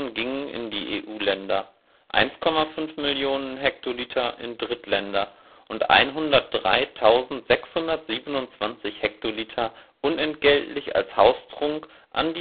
gingen in die EU-Länder, 1,5 Mio. Hektoliter in Drittländer und 103.627 Hektoliter unentgeltlich als Haustrunk an